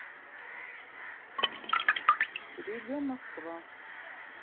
рига москва